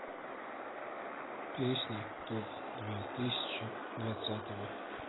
песни топ две тысячи двадцатого